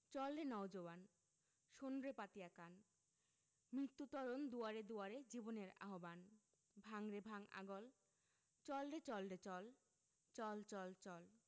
চল রে নও জোয়ান শোন রে পাতিয়া কান মৃত্যু তরণ দুয়ারে দুয়ারে জীবনের আহবান ভাঙ রে ভাঙ আগল চল রে চল রে চল চল চল চল